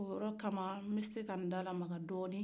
o yɔrɔ kama nbɛ se ka dalamaka dɔni